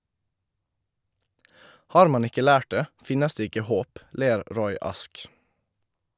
Har man ikke lært det, finnes det ikke håp, ler Roy Ask.